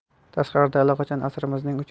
tashqarida allaqachon asrimizning